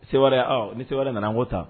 Sewarɛ ɔ ni Sewarɛ nana an k'o taa